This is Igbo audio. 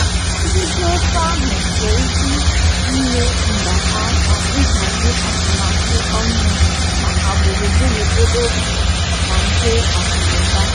Ozi dị otu ahụ nwere ike ịnyere mba aka ịhazi atụmatụ ọhụrụ maka gburugburu ebe obibi na nke akụ na ụba.